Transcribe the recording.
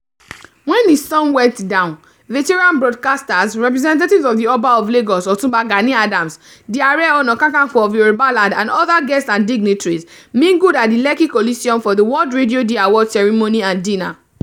When the sun went down, veteran broadcasters, representatives of the Oba of Lagos, Ọ̀túnba Gani Adams, the Ààrẹ Ọ̀nà Kakanfò of Yorùbá-land and other guests and dignitaries mingled at the Lekki Coliseum for the World Radio Day award ceremony and dinner.